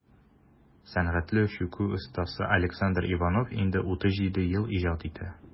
Сәнгатьле чүкү остасы Александр Иванов инде 37 ел иҗат итә.